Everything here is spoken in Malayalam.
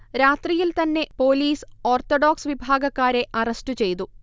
രാത്രിയിൽതന്നെ പോലീസ് ഓർത്തഡോക്സ് വിഭാഗക്കാരെ അറസ്റ്റു ചെയ്തു